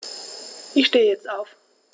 Ich stehe jetzt auf.